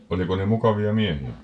oliko ne mukavia miehiä